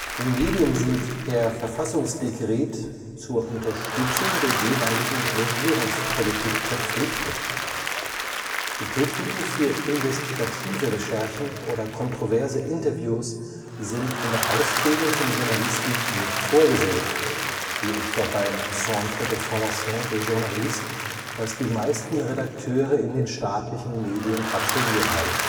Die Medien sind per Verfassungsdekret zur Unterstützung der jeweiligen Regierungspolitik verpflichtet. Die Techniken für investigative Recherchen oder kontroverse Interviews sind in der Ausbildung von Journalisten nicht vorgesehen wie etwa beim Centre de Formation des Journalistes (CFJ), das die meisten Redakteure in den staatlichen Medien absolviert haben